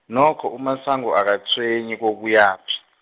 nokho uMasango akatshwenyi kokuyaphi.